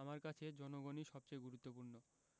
আমার কাছে জনগণই সবচেয়ে গুরুত্বপূর্ণ